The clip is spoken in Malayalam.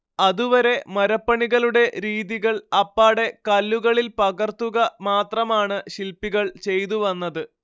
അതുവരെ മരപ്പണികളുടെ രീതികൾ അപ്പാടെ കല്ലുകളിൽ പകർത്തുക മാത്രമാണ് ശില്പികൾ ചെയ്തുവന്നത്